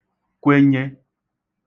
kwenye